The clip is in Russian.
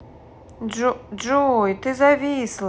джой ты зависла